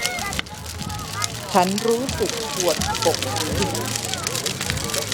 ฉันรู้สึกปวดกกหู